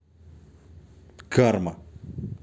карма